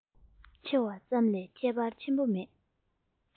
ཆེ བ ཙམ ལས ཁྱད པར ཆེན པོ མེད པ